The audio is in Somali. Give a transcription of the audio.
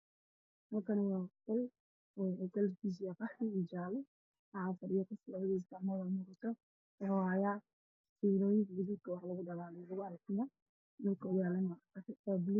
Halkaani waa qol oo kalarkiisa yahay qaxwi iyo jaallo waxaa fadhiya qof labadiisa gacmood soo muuqata wuxuu haayaa fiilooyin gaduudka ah oo wax lagu dhalaaliyo lagu alxamo dhulkoo yaalana waa gaduud.